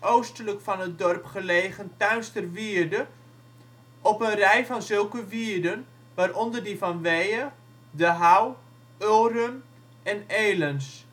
oostelijk van het dorp gelegen Tuinsterwierde op een rij van zulke wierden, waaronder die van Wehe, De Houw, Ulrum en Elens